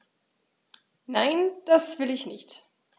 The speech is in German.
Nein, das will ich nicht.